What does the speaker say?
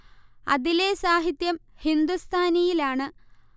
അതിലെ സാഹിത്യം ഹിന്ദുസ്ഥാനിയിലാണ്